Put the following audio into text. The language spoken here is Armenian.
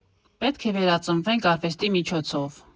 Պետք է վերածնվենք արվեստի միջոցով։